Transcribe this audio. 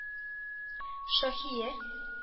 Шаһия